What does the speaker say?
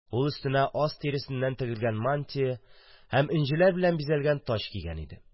Ул өстенә ас тиресеннән тегелгән мантия һәм энҗеләр белән бизәлгән таҗ кигән иде.